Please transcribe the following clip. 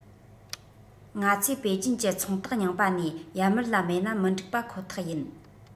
ང ཚོས པེ ཅིན གྱི ཚོང རྟགས རྙིང པ ནས ཡར མར ལ མེད ན མི འགྲིག པ ཁོ ཐག ཡིན